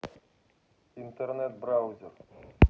интернет браузер